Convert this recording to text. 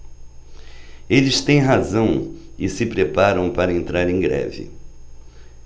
eles têm razão e se preparam para entrar em greve